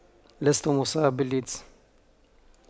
لست مصاب بالايدز